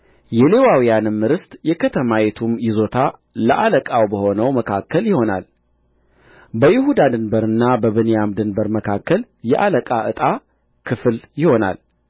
የሌዋውያንም ርስት የከተማይቱም ይዞታ ለአለቃው በሆነው መካከል ይሆናል በይሁዳ ድንበርና በብንያም ድንበር መካከል የአለቃ ዕጣ ክፍል ይሆናል